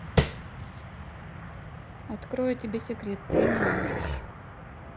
открою тебе секрет ты не можешь